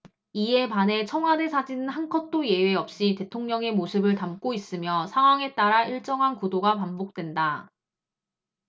이에 반해 청와대 사진은 한 컷도 예외 없이 대통령의 모습을 담고 있으며 상황에 따라 일정한 구도가 반복된다